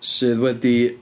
Sydd wedi...